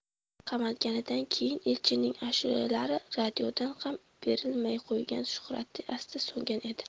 qamalganidan keyin elchinning ashulalari radiodan ham berilmay qo'ygan shuhrati asta so'ngan edi